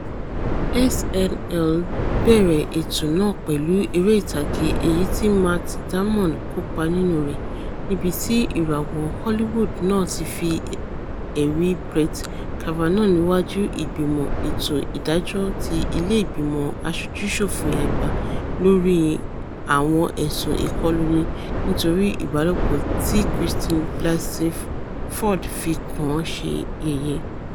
SNL bẹ̀rẹ̀ ètò náà pẹ̀lú eré ìtàgé èyití Matt Damon kópa nínú rẹ̀ níbití ìràwọ̀ Hollywood náà ti fi ẹ̀rí Brett Kavanaugh nìwáju Ìgbìmọ Ètò Ìdájọ́ ti Ilé Ìgbìmọ̀ Aṣojú-ṣòfin Àgbà lori àwọn ẹ̀sùn ìkọluni nítorí ìbálòpọ̀ tí Christine Blassey Ford fi kàn án ṣe yẹ̀yẹ̵́.